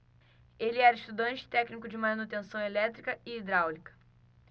ele era estudante e técnico de manutenção elétrica e hidráulica